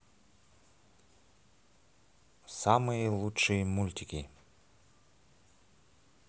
самые лучшие мультики